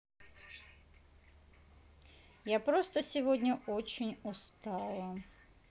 я просто сегодня очень устала